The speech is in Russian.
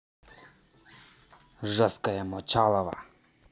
жесткая мочалова